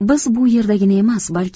biz bu yerdagina emas